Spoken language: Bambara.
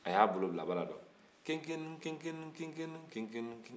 a y'a bolo bila bala la kinkinu kinkinu kinkinu kinkinu kin